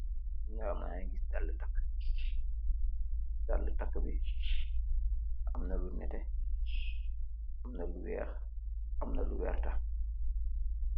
Yangy gis daalue takeu, daalue takeu bi amna lu nehteh, amna lu wekh, amna lu vertah.